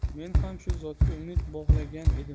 men ham shu zotga umid bog'lagan edim